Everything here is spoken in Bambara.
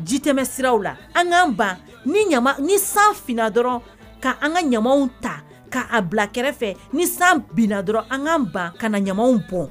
Jitɛmɛsiraw la an k'an ban ni ɲaman, ni san finna dɔrɔn ka an ka ɲamaw ta ka a bila kɛrɛfɛ ni san binna dɔrɔn an k'an ban ka na ɲamaw bɔn